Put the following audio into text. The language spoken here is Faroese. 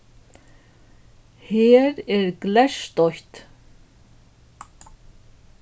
her er glerstoytt